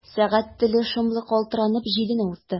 Сәгать теле шомлы калтыранып җидене узды.